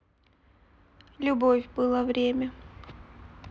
любовь было время